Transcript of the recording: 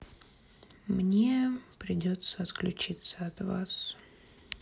мне придется отключиться от вас